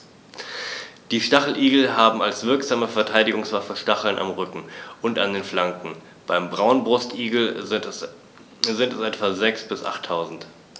Die Stacheligel haben als wirksame Verteidigungswaffe Stacheln am Rücken und an den Flanken (beim Braunbrustigel sind es etwa sechs- bis achttausend).